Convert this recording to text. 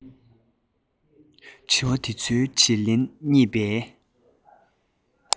དྲི བ དེ ཚོའི དྲིས ལན རྙེད པའི